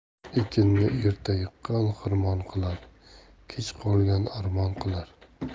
ekinni erta yiqqan xirmon qilar kech qolgan armon qilar